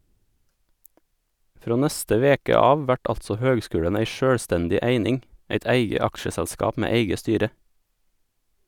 Frå neste veke av vert altså høgskulen ei sjølvstendig eining, eit eige aksjeselskap med eige styre.